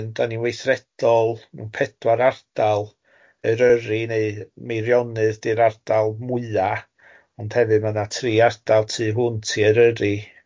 Dan ni'n weithredol mewn pedwar ardal Eryri neu Meirionnydd di'r ardal mwya, ond hefyd ma' na tri ardal tu hwnt i Eryri.